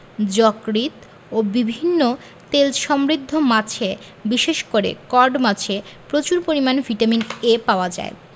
যকৃৎ ও বিভিন্ন তেলসমৃদ্ধ মাছে বিশেষ করে কড মাছে প্রচুর পরিমান ভিটামিন A পাওয়া যায়